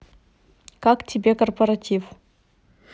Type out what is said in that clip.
как тебе корпоратив